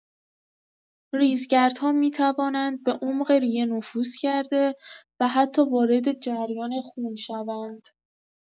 ریزگردها می‌توانند به عمق ریه نفوذ کرده و حتی وارد جریان خون شوند.